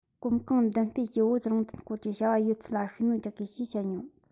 གོམ གང མདུན སྤོས ཀྱིས བོད རང བཙན སྐོར གྱི བྱ བ ཡོད ཚད ལ ཤུགས སྣོན རྒྱག དགོས ཞེས བཤད མྱོང